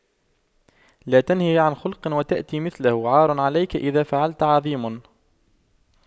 لا تنه عن خلق وتأتي مثله عار عليك إذا فعلت عظيم